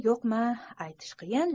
yo'qmi aytish qiyin